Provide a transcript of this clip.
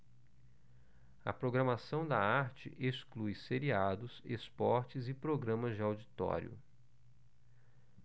a programação da arte exclui seriados esportes e programas de auditório